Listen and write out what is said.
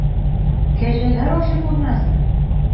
Кәҗәләр ашый күрмәсен!